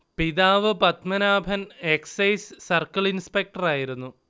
പിതാവ് Padmanabhan excise circle inspector ആയിരുന്നു